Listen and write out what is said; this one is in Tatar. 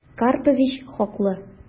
Карпович хаклы...